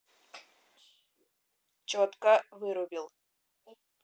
четко вырубил